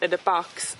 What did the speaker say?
yn y bocs